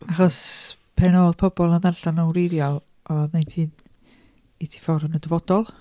Achos, pan oedd pobl yn ddarllen o'n wreiddiol, oedd 1984 yn y dyfodol.